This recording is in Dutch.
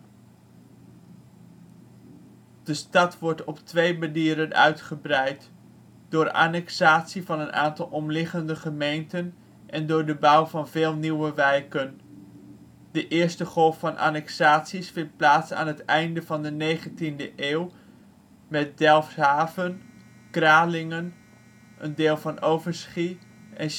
twee manieren uitgebreid: door annexatie van een aantal omliggende gemeenten en door de bouw van veel nieuwe wijken. De eerste golf van annexaties vindt plaats aan het einde van de negentiende eeuw met Delfshaven (1886), Kralingen, een deel van Overschie en